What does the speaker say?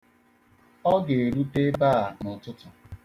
Ọ ga-erute ebe a n'ụtụtụ.